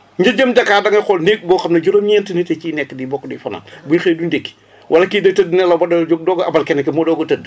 nga jëm Dakar da ngay xool néeg boo xam ne juróom-ñeenti nit a ciy nekk di bokk di fanaan buñ xëyee duñ ndékki wala kii day tëdd nelaw ba doyal jug doog a abal keneen ki mu doog a tëdd